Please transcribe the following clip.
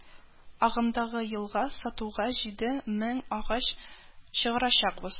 Агымдагы елга сатуга җиде мең агач чыгарачакбыз